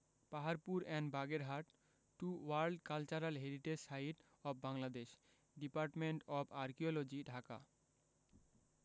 Paharpur and Bagerhat to world cultural heritage sites of Bangladesh department of archaeology Dhaka